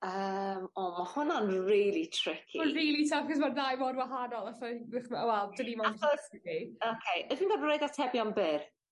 Yy o ma' honna'n rili ticky. Ma'n rili tough 'c'os ma'r ddau mor wahanol allai ddychmy- wel 'dyn nimond... Achos oce alle by- roid atebion byr?